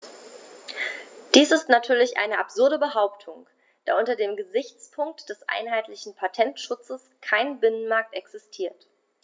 Dies ist natürlich eine absurde Behauptung, da unter dem Gesichtspunkt des einheitlichen Patentschutzes kein Binnenmarkt existiert.